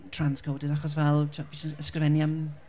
trans-coded achos fel tibod fi jyst yn ysgrifennu am...